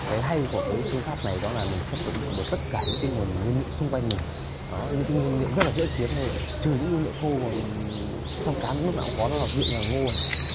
cái hay của các phương pháp này đó là mình sắp ứng dụng ở tất cả những cái nguồn nguyên liệu xung quanh mình có những nguyên liệu rất là dễ kiếm rồi trừ những nguyên liệu thô bằng trong cán lúc nào có ví dụ như là ngô này